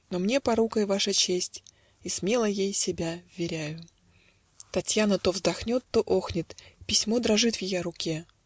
Но мне порукой ваша честь, И смело ей себя вверяю. Татьяна то вздохнет, то охнет Письмо дрожит в ее руке